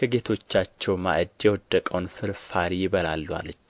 ከጌቶቻቸው ማዕድ የወደቀውን ፍርፋሪ ይበላሉ አለች